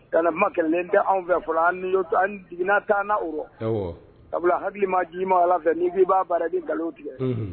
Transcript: Kɛlɛma kelenlen tɛ anw fɛ fɔlɔ ano anna taa o rɔ a hakililima ji ma ala fɛ ni'i b'a baara di nkalon tigɛ